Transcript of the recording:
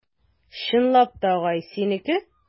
Чынлап та, агай, синеке?